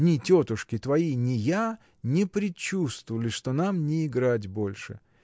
ни тетушки твои, ни я — не предчувствовали, что нам не играть больше!